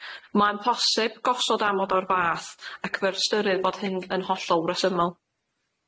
Mae'n posib gosod amod o'r fath ac fel ystyrir bod hyn yn hollol resymol.